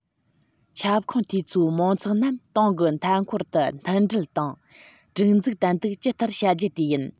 ཁྱབ ཁོངས དེ ཚོའི མང ཚོགས རྣམས ཏང གི མཐའ འཁོར དུ མཐུན སྒྲིལ དང སྒྲིག འཛུགས ཏན ཏིག ཇི ལྟར བྱ རྒྱུ དེ ཡིན